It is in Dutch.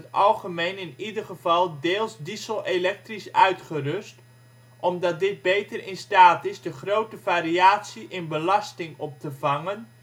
algemeen in ieder geval deels dieselelektrisch uitgerust, omdat dit beter in staat is de grote variatie in belasting op te vangen